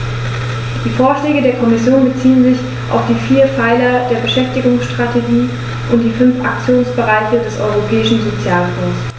Die Vorschläge der Kommission beziehen sich auf die vier Pfeiler der Beschäftigungsstrategie und die fünf Aktionsbereiche des Europäischen Sozialfonds.